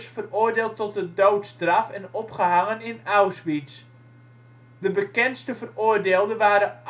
veroordeeld tot de doodstraf en opgehangen in Auschwitz. De bekendste veroordeelden waren